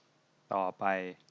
ต่อไป